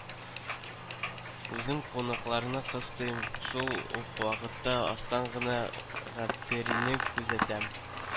Үзем кунакларны кыстыйм, шул ук вакытта астан гына Гаптерине күзәтәм.